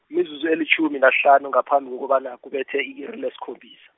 mizuzu elitjhumi nahlanu ngaphambi kobana, kubethe i-iri lesikhombisa.